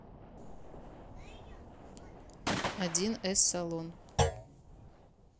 один эс салон